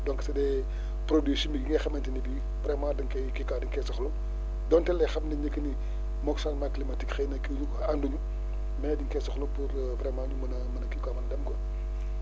donc c' est des produits chimiques yi nga xamante ne bii vraiment dañ koy kii quoi dañ koy soxla donte ne xam nañ que ni moog changement climatique xëy na kii wu ñu quoi ànduñu mais dañ koy soxla pour vraiment ñu mën a mën a kii quoi mën a dem quoi